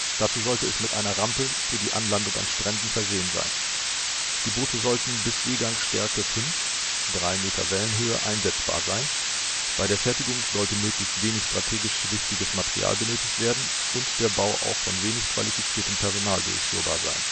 Dazu sollte es mit einer Rampe für die Anlandung an Stränden versehen sein. Die Boote sollten bis Seegang Stärke 5 (3 m Wellenhöhe) einsetzbar sein. Bei der Fertigung sollte möglichst wenig strategisch wichtiges Material benötigt werden und der Bau auch von wenig qualifiziertem Personal durchführbar sein